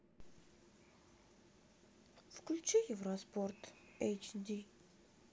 включи евроспорт эйч ди